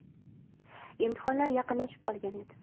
imtihonlar yaqinlashib qolgan edi